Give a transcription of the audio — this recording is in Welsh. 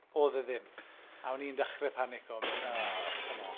Oedd e ddim. A o'n i'n dechrau panico a mynd "o, come on".